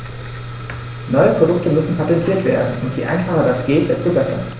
Neue Produkte müssen patentiert werden, und je einfacher das geht, desto besser.